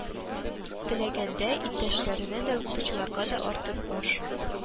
Теләгәндәй, иптәшләренә дә, укытучыларга да артык баш